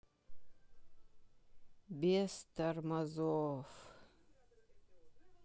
без тормозов